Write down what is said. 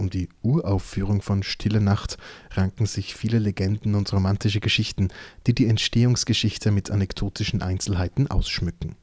die Uraufführung von Stille Nacht ranken sich viele Legenden und romantische Geschichten, die die Entstehungsgeschichte mit anekdotischen Einzelheiten ausschmücken